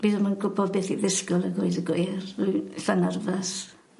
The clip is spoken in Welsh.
Fi ddim yn gwbod beth i ddisgwl a gweud y gwir dwi itha nervous.